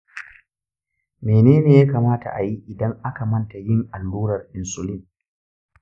menene ya kamata a yi idan aka manta yin allurar insulin?